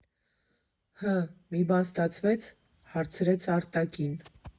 Հը, մի բան ստացվե՞ց, ֊ հարցրեց Արտակին։